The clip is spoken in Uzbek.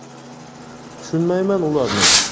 tushunmayman ularni